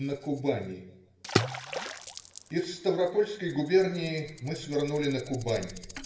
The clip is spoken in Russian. На Кубани Из Ставропольской губернии мы свернули на Кубань.